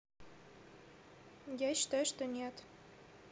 я считаю что нет